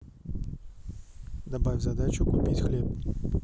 добавь задачу купить хлеб